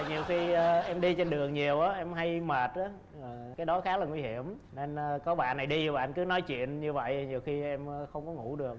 nhiều khi em đi trên đường nhiều á em hay mệt á cái đó khá là nguy hiểm nên có bạn này đi bạn cứ nói chuyện như vậy nhiều khi em không có ngủ được